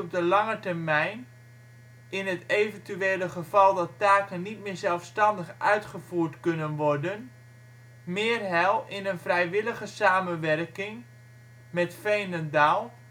de lange termijn, in het eventuele geval dat taken niet meer zelfstandig uitgevoerd kunnen worden, meer heil in een vrijwillige samenwerking Veenendaal